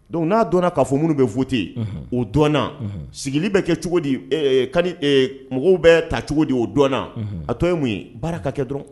Donc n'a dɔn k'a fɔ minnu bɛ voté o dɔn na sigili bɛ kɛ cogo di mɔgɔw bɛ ta cogo di o dɔn na a tɔ ye mun ye baara kɛ dɔrɔn.